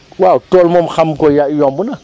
waaw tool moom xam ko ya yomb na